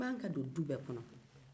i ma kan ka don du bɛɛ kɔnɔ